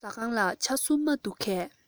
ཟ ཁང ལ ཇ སྲུབས མ འདུག གས